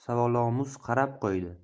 savolomuz qarab qo'ydi